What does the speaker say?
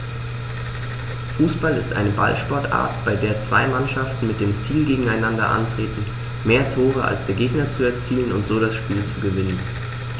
Fußball ist eine Ballsportart, bei der zwei Mannschaften mit dem Ziel gegeneinander antreten, mehr Tore als der Gegner zu erzielen und so das Spiel zu gewinnen.